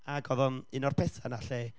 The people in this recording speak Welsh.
Ac oedd o'n un o'r pethau 'na, lle,